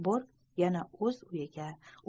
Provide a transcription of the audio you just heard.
bork yana o'z uyiga